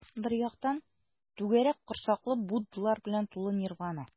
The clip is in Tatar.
Бер яктан - түгәрәк корсаклы буддалар белән тулы нирвана.